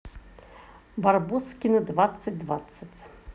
барбоскины двадцать двадцать